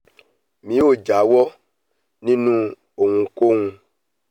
"Mi ò jáwọ́ nínú ohunkóhun".